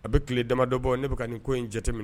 A bɛ tile damadɔbɔ ne bɛka ka nin ko in jateminɛ